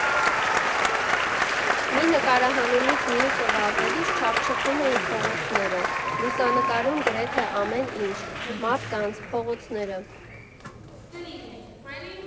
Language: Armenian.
Մի նկարահանումից մյուսը վազելուց չափչփում էի փողոցները, լուսանկարում գրեթե ամեն ինչ, մարդկանց, փողոցները։